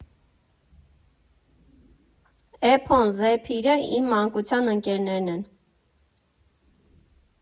Էփոն, Զեփիրը իմ մանկության ընկերներն են։